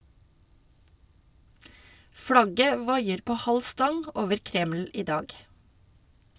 Flagget vaier på halv stang over Kreml i dag.